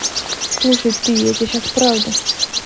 слушай ты я тебя сейчас правда